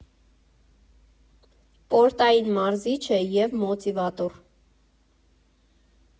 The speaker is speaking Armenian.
Պորտային մարզիչ է և մոտիվատոր։